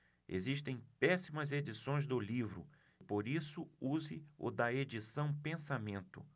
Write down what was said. existem péssimas edições do livro por isso use o da edição pensamento